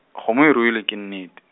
kgomo e ruilwe ke nnete.